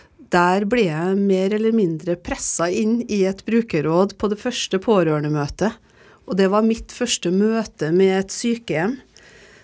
der ble jeg mer eller mindre pressa inn i et brukerråd på det første pårørendemøtet og det var mitt første møte med et sykehjem.